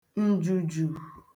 ǹjùjù